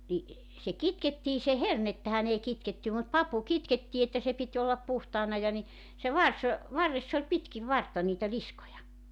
niin se kitkettiin se hernettähän ei kitketä mutta papu kitkettiin että se piti olla puhtaana ja niin se varsi varressa oli pitkin vartta niitä liskoja